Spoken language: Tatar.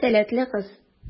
Сәләтле кыз.